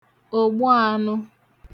ògbuānụ̄